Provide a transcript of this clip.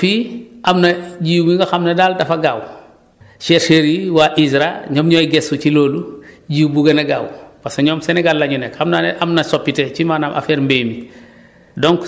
donc fii am na jiw bi nga xam ne daal dafa gaaw chercheurs yi waa ISRA ñoom ñooy gëstu ci loolu jiw bu gën a gaaw parce que ñoom Sénégal la ñu nekk xam naa ne am na soppite ci maanaam affaire mbéy mi